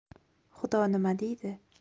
xudo nima deydi